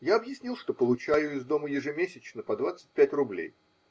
я объяснил, что получаю из дому ежемесячно по двадцать пять рублей.